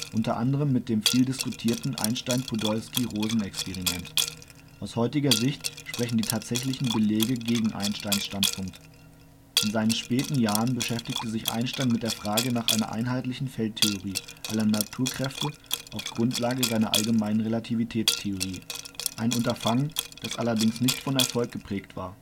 unter anderem mit dem vieldiskutierten Einstein-Podolsky-Rosen-Experiment. Aus heutiger Sicht sprechen die tatsächlichen Belege gegen Einsteins Standpunkt. In seinen späten Jahren beschäftigte sich Einstein mit der Frage nach einer einheitlichen Feldtheorie aller Naturkräfte auf Grundlage seiner Allgemeinen Relativitätstheorie; ein Unterfangen, das allerdings nicht von Erfolg geprägt war